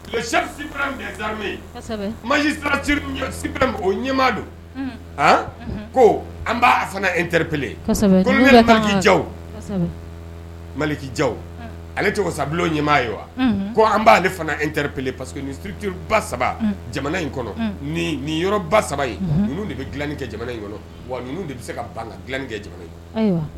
Ri maji o don ko an b'a fana e teri peele koji ja maliki ja ale to sabu ɲɛmaa ye wa ko an b'ale fana e terip pe paseke nintiriba saba jamana in kɔnɔ nin yɔrɔ ba saba ye de bɛ dilai kɛ jamana in kɔnɔ wa ninnu de bɛ se ka ban ka dilain kɛ jamana ye